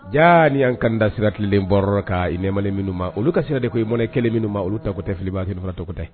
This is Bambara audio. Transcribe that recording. Ja ni an kan da siratilen bɔra ka nɛmani minnu ma olu ka sira de ko ibɔn kelen minnu ma olu tako tɛ fililibase tɔgɔ tɛ